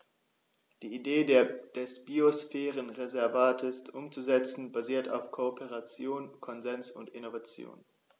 Die Idee des Biosphärenreservates umzusetzen, basiert auf Kooperation, Konsens und Innovation.